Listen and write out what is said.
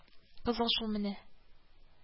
Кызыл шул менә